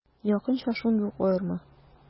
Якынча шундый ук аерма.